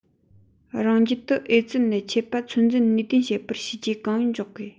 རང རྒྱལ དུ ཨེ ཙི ནད མཆེད པ ཚོད འཛིན ནུས ལྡན བྱེད པར བྱས རྗེས གང ཡོད འཇོག དགོས